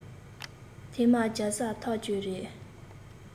ཐེང མ རྒྱ བཟའ ཐག བཅོད རེད